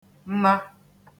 nna